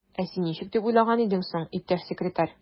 Ә син ничек дип уйлаган идең соң, иптәш секретарь?